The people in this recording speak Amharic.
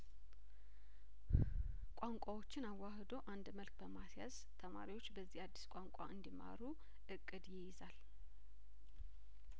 ቋንቋዎችን አዋህዶ አንድ መልክ በማስያዝ ተማሪዎች በዚህ አዲስ ቋንቋ እንዲ ማሩ እቅድ ይይዛል